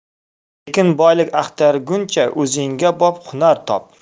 tekin boylik axtarguncha o'zingga bop hunar top